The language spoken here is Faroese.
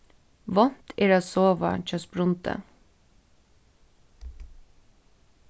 vánt er at sova hjá sprundi